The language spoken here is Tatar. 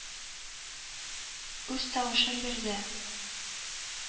Үз тавышын бирде